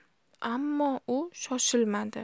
ammo u shoshilmadi